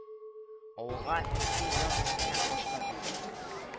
Авылга ике яз миннән башка килде